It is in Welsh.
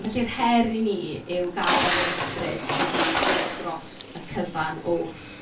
Felly'r her i ni yw gadael i'r ysbryd i fod dros y cyfan oll.